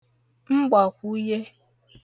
mgbakwụye